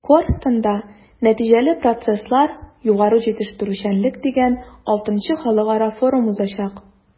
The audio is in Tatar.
“корстон”да “нәтиҗәле процесслар-югары җитештерүчәнлек” дигән vι халыкара форум узачак.